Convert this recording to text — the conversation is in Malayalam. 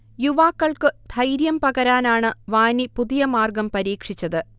യുവാക്കൾക്കു 'ധൈര്യം' പകരാനാണു വാനി പുതിയ മാർഗം പരീക്ഷിച്ചത്